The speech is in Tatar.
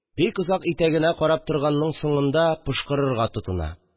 Бик озак итәгенә карап торганның соңында пошкырырга тотына.